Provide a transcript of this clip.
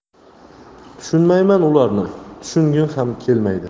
tushunmayman ularni tushungim ham kelmaydi